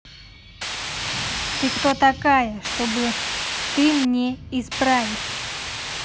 ты кто такая чтобы ты мне исправить